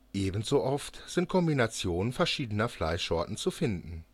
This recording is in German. Ebenso oft sind Kombinationen verschiedener Fleischsorten zu finden